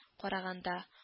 Караганда